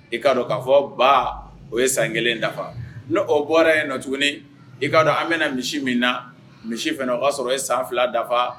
I'a dɔn k'a fɔ ba o ye san kelen dafa o bɔra yen ye nɔ tuguni i'a dɔn an bɛna misi min na misi fana o y'a sɔrɔ ye san fila dafa